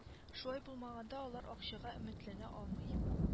Шулай булмаганда алар акчага өметләнә алмый